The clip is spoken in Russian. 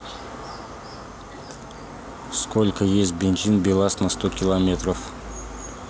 сколько ест бензин белаз на сто километров